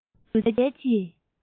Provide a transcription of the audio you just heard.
འབྲེལ བའི སྒྱུ རྩལ གྱི